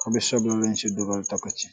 hoobi sooble len si dugal taka cxi.